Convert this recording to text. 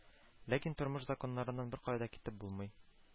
Ләкин тормыш законнарыннан беркая да китеп булмый